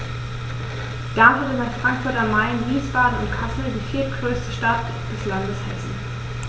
Darmstadt ist nach Frankfurt am Main, Wiesbaden und Kassel die viertgrößte Stadt des Landes Hessen